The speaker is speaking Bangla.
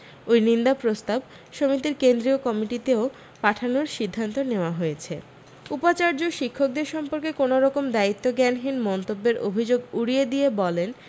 ওই নিন্দা প্রস্তাব সমিতির কেন্দ্রীয় কমিটিতেও পাঠানোর সিদ্ধান্ত নেওয়া হয়েছে উপাচার্য শিক্ষকদের সম্পর্কে কোনও রকম দায়িত্বজ্ঞানহীন মন্তব্যের অভি্যোগ উড়িয়ে দিয়ে বলেন